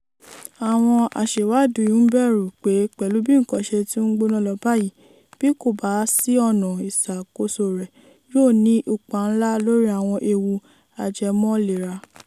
Àwọn ewu sí ìlera yìí lè jẹmọ ikú tàbí ooru tó pọ gan àti awọn àjálù àdáyébá tàbí kó jẹ́ àyípadà àwọn aìsàn tó máá ń pọ̀ lásìkò ooru àti òjò, bíi ibà àti àti dẹ́ńgẹ̀.